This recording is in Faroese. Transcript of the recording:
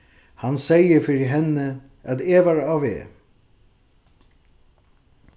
hann segði fyri henni at eg var á veg